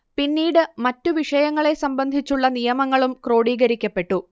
പിന്നീട് മറ്റു വിഷയങ്ങളെ സംബന്ധിച്ചുള്ള നിയമങ്ങളും ക്രോഡീകരിക്കപ്പെട്ടു